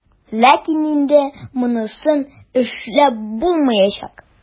Ләкин инде монысын эшләп булмаячак.